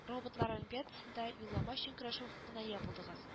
Роботлар олимпиадасында юллама өчен көрәшү хокукына ия булдыгыз